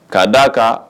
K ka'a d' a kan